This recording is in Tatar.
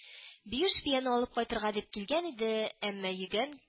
Биюш бияне алып кайтырга дип килгән иде, әмма йөгән